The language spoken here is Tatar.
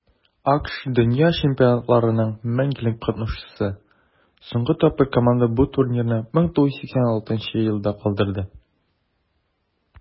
АКШ - дөнья чемпионатларының мәңгелек катнашучысы; соңгы тапкыр команда бу турнирны 1986 елда калдырды.